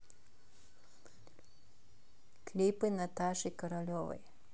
клипы наташи королевой